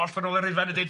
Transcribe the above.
Ie.